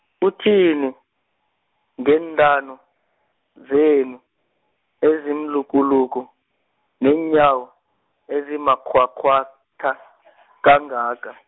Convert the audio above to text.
uthini, ngeentamo, zenu ezimlukuluku neenyawo ezimakghwakghwatha, kangaka.